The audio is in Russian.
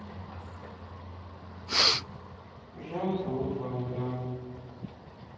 жан клод ван дамм